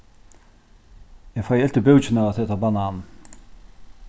eg fái ilt í búkin av at eta banan